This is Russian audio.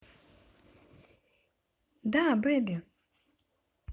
да baby